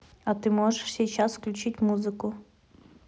а ты можешь сейчас включить музыку